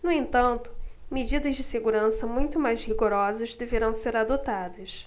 no entanto medidas de segurança muito mais rigorosas deverão ser adotadas